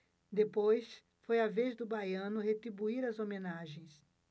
depois foi a vez do baiano retribuir as homenagens